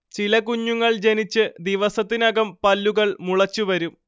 ചില കുഞ്ഞുങ്ങളിൽ ജനിച്ച് ദിവസത്തിനകം പല്ലുകൾ മുളച്ചുവരും